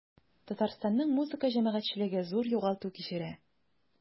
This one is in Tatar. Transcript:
Татарстанның музыка җәмәгатьчелеге зур югалту кичерә.